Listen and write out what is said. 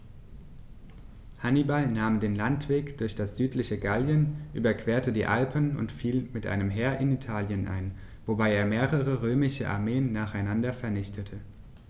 Hannibal nahm den Landweg durch das südliche Gallien, überquerte die Alpen und fiel mit einem Heer in Italien ein, wobei er mehrere römische Armeen nacheinander vernichtete.